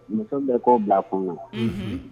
Musow bɛ kɔ bila kunun na